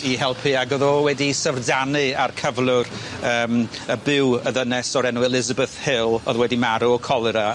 ...i i helpu ag o'dd o wedi syfrdanu â'r cyflwr yym y byw y ddynes o'r enw Elizabeth Hill o'dd wedi marw o cholera.